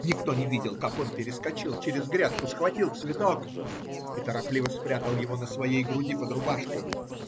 Никто не видел, как он перескочил через грядку, схватил цветок и торопливо спрятал его на своей груди под рубашкой.